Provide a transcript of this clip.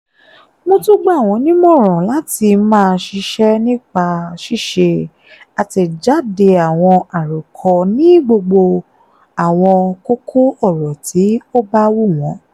Mo tún gbà wọ́n nímọ̀ràn láti máa ṣiṣẹ́ nípa ṣíṣe àtẹ̀jáde àwọn àròkọ ní gbogbo àwọn kókó ọ̀rọ̀ tí ó bá wù wọ́n.